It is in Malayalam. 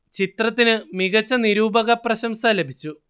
ചിത്രത്തിന് മികച്ച നിരൂപക പ്രശംസ ലഭിച്ചു